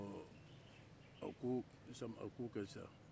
ɔ a ko ka can